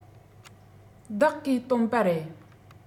བདག གིས བཏོན པ རེད